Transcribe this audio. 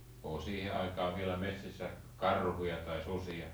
oliko siihen aikaan vielä metsissä karhuja tai susia